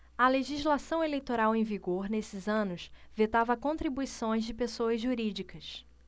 a legislação eleitoral em vigor nesses anos vetava contribuições de pessoas jurídicas